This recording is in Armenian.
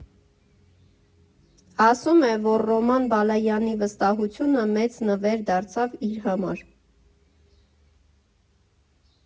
Ասում է, որ Ռոման Բալայանի վստահությունը մեծ նվեր դարձավ իր համար։